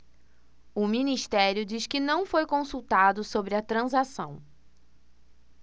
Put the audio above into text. o ministério diz que não foi consultado sobre a transação